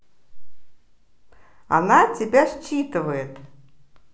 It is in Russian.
она тебя считывает